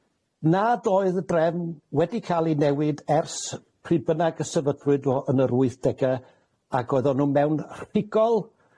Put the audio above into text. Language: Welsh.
nad oedd y drefn wedi ca'l ei newid ers pryd bynnag y sefydlwyd o yn yr wythdege, ag oeddon nw mewn rhigol